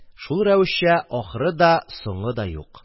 Шул рәвешчә ахыры да, соңы да юк...